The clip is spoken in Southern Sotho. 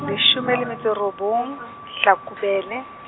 leshome le metso e robong, Hlakubele.